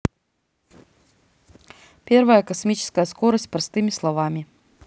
первая космическая скорость простыми словами